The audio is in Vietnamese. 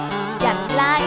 tay